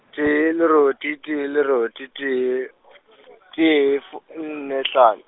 tee lerothi, tee lerothi, tee, tee, f-, nne hlano.